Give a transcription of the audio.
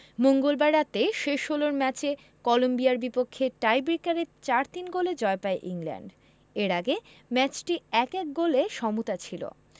মঙ্গলবার রাতে শেষ ষোলোর ম্যাচে কলম্বিয়ার বিপক্ষে টাইব্রেকারে ৪ ৩ গোলে জয় পায় ইংল্যান্ড এর আগে ম্যাচটি ১ ১ গোলে সমতা ছিল